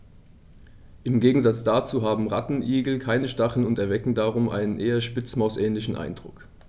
Im Gegensatz dazu haben Rattenigel keine Stacheln und erwecken darum einen eher Spitzmaus-ähnlichen Eindruck.